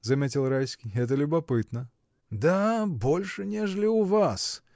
— заметил Райский, — это любопытно. — Да, больше, нежели у вас.